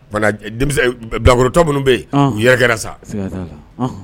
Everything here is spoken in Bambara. Bilakororotɔ minnu bɛ yen yɛrɛ kɛra sa